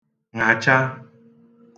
ṅàcha